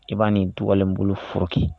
I b'a ni dugalenbulu froki